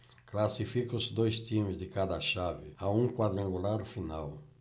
classificam-se dois times de cada chave a um quadrangular final